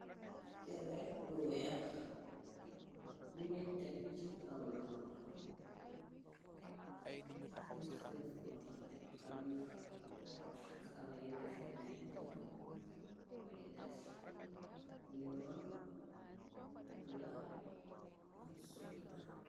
Kele bu weex binu teg ci kaw loxo ci seefu loxo bi amna xara yum fa nekk yu def nuol bu la ak sokala.